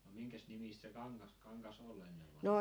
no minkäs nimistä se - kangas oli ennen vanhaan